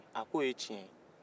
a ko ye ciɲɛ ye